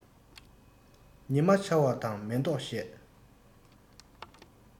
ཉི མ འཆར བ དང མེ ཏོག བཞད